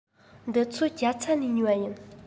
འདི ཚོ རྒྱ ཚ ནས ཉོས པ ཡིན